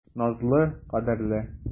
Назлы, кадерле.